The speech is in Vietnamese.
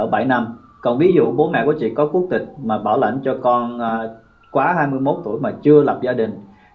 bảy năm còn ví dụ bố mẹ của chị có quốc tịch mà bảo lãnh cho con quá hai mươi mốt tuổi mà chưa lập gia đình